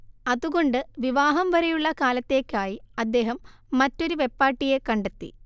അതുകൊണ്ട് വിവാഹം വരെയുള്ള കാലത്തേയ്ക്കായി അദ്ദേഹം മറ്റൊരു വെപ്പാട്ടിയെ കണ്ടെത്തി